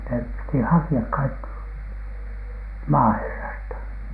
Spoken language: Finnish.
ne piti hakea kaikki maaherrasta